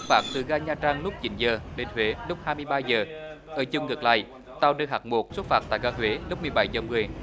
phát từ ga nha trang lúc chín giờ đến huế lúc hai mươi ba giờ ở chung cực lầy tàu di thực buộc xuất phát tại ga huế lúc mười bảy chính quyền